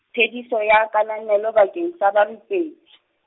phediso ya kananelo bakeng sa barupedi.